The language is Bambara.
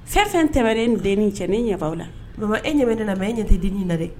Fɛn fɛn tɛmɛna e n'o denni cɛ dɛ ne ɲɛ b'aw la. Maman e ɲɛ bɛ ne la mais e ne tɛ dennin na dɛ.